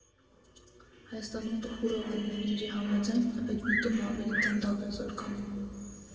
Հայաստանում տխուր ավանդույթի համաձայն՝ այդ միտումը ավելի դանդաղ է զարգանում։